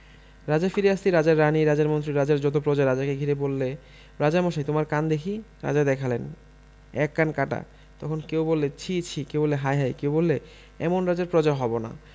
রাজা ফিরে আসতেই রাজার রানী রাজার মন্ত্রী রাজার যত প্রজা রাজাকে ঘিরে বললে রাজামশাই তোমার কান দেখি রাজা দেখালেন এক কান কাটা তখন কেউ বললে ছি ছি' কেউ বললে হায় হায় কেউ বললে এমন রাজার প্ৰজা হব না